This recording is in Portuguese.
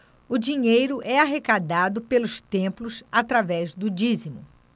o dinheiro é arrecadado pelos templos através do dízimo